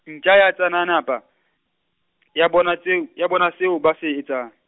ntja ya tsananapa, ya bona tseo, ya bona seo, ba se etsang.